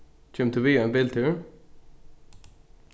kemur tú við ein biltúr